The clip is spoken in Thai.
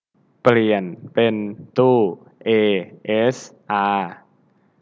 เปลี่ยนเป็นตู้เอเอสอา